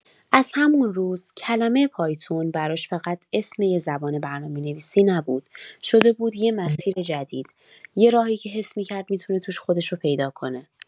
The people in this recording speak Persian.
از همون روز، کلمه پایتون براش فقط اسم یه زبان برنامه‌نویسی نبود، شده بود یه مسیر جدید، یه راهی که حس می‌کرد می‌تونه توش خودش رو پیدا کنه.